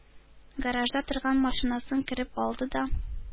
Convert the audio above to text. Гаражда торган машинасын кереп алды да